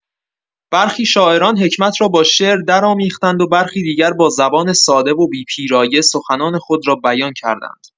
برخی شاعران حکمت را با شعر درآمیختند و برخی دیگر با زبان ساده و بی‌پیرایه، سخنان خود را بیان کردند.